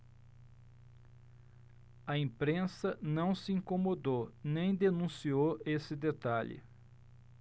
a imprensa não se incomodou nem denunciou esse detalhe